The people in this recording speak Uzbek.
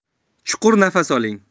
chuqur nafas oling